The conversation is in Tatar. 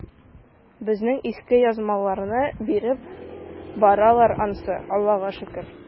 Безнең иске язмаларны биреп баралар ансы, Аллага шөкер.